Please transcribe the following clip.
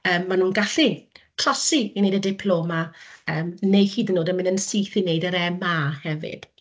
yym ma' nhw'n gallu trosi i neud y diploma yym neu hyd yn oed yn mynd yn syth i neud yr MA hefyd.